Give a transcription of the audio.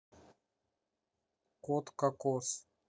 кот кокос